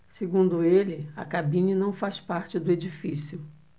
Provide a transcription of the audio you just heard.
segundo ele a cabine não faz parte do edifício